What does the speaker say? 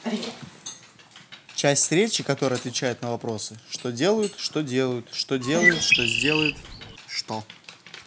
часть речи которая отвечает на вопросы что делают что сделают что делает что сделают что